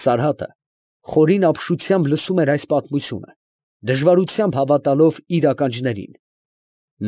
Սարհատը խորին ապշությամբ լսում էր այս պատմությունը, դժվարությամբ հավատալով իր ականջներին։